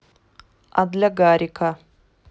а для гарика